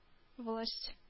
Власть